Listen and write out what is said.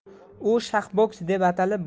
u shaxboks deb atalib